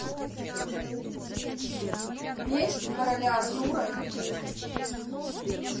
меч короля артура ютуб